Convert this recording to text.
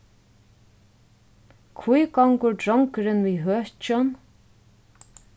hví gongur drongurin við høkjum